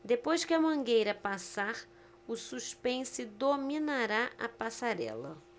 depois que a mangueira passar o suspense dominará a passarela